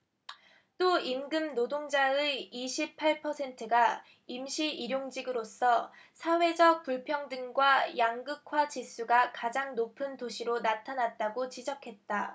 또 임금노동자의 이십 팔 퍼센트가 임시 일용직으로서 사회적 불평등과 양극화 지수가 가장 높은 도시로 나타났다 고 지적했다